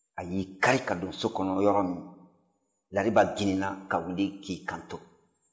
a y'i kari ka don so kɔnɔ yɔrɔ min lariba jiginna ka wuli k'i kanto